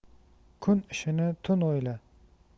kun ishini tun o'yla